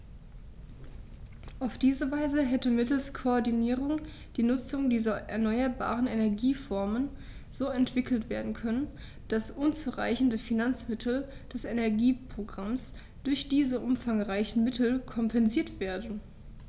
Auf diese Weise hätte mittels Koordinierung die Nutzung dieser erneuerbaren Energieformen so entwickelt werden können, dass unzureichende Finanzmittel des Energieprogramms durch diese umfangreicheren Mittel kompensiert werden.